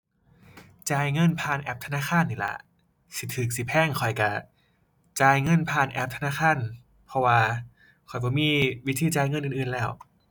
จ่ายเงินผ่านแอปธนาคารนี่ล่ะ สิถูกสิแพงข้อยถูก จ่ายเงินผ่านแอปธนาคาร เพราะว่าข้อยบ่มีวิธีจ่ายเงินอื่นอื่นแล้ว